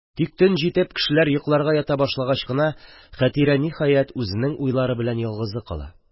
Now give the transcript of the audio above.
Тик төн җитеп, кешеләр йокларга ята башлагач кына, Хәтирә ниһәят үзенең уйлары белән ялгызы кала